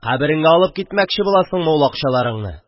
Кабереңә алып китмәкче буласыңмы ул акчаларыңны?..